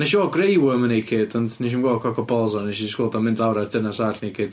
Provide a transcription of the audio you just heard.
Nes i weld Grey Worm yn naked ond nes i'm gweld coc a balls o, nes i jyst gweld o'n mynd lawr ar dynas arall naked.